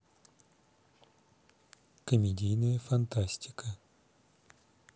комедийная фантастика